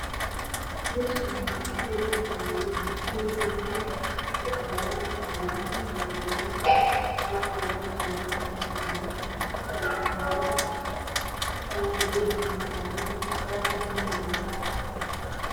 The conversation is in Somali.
Meeshaan waa qol waxaa yaalo bakeeri gaduud ah bakoora ah labo nin ayaa jooga waxay meeshaan kasameyna hayaan. Kalarka darbiga waa cadaan. Shaati buluug ah ayay wataan.